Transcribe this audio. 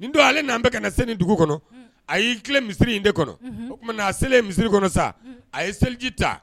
N don ale n'an bɛ kana se dugu kɔnɔ a y'i tile misiri in de kɔnɔ o tuma na a selen misiri kɔnɔ sa a ye seliji ta